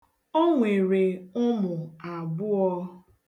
O nwere ụmụ abụọ.